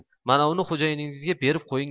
manavini xo'jayinizga berib qo'ying